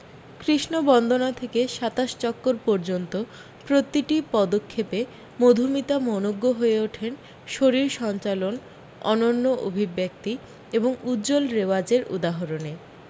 কৃষ্ণবন্দনা থেকে সাতাশ চক্কর পর্যন্ত প্রতিটি পদক্ষেপে মধুমিতা মনোজ্ঞ হয়ে ওঠেন শরীর সঞ্চালন অনন্য অভিব্যক্তি এবং উজ্জ্বল রেওয়াজের উদাহরণে